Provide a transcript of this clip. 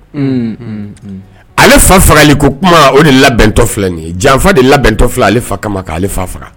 Ale fa fagali ko kuma o de labɛntɔ filɛ ye janfa de labɛntɔ filɛ ale fa kama ale fa faga